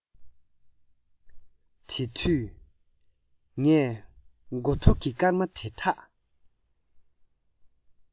དེ དུས ངས མགོ ཐོག གི སྐར མ དེ དག